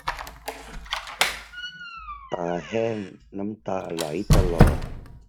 ตาแห้งน้ำตาไหลตลอด